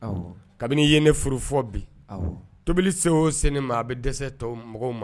Kabini i ye ne furu fɔ bi tobili se o sen ma a bɛ dɛsɛ tɔw mɔgɔ